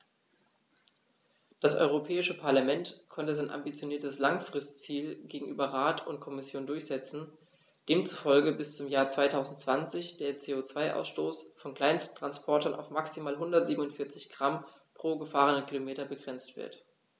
Das Europäische Parlament konnte sein ambitioniertes Langfristziel gegenüber Rat und Kommission durchsetzen, demzufolge bis zum Jahr 2020 der CO2-Ausstoß von Kleinsttransportern auf maximal 147 Gramm pro gefahrenem Kilometer begrenzt wird.